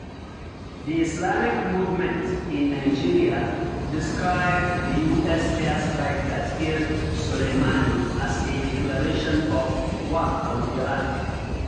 The Islamic movement in Nigeria described the US airstrike that killed Soleimani as a "declaration of war on Iran".